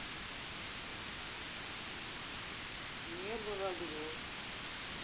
небо в огне